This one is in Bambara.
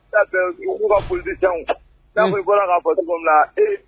Sa'u ka folijan san bɔra' fɔ cogofila ee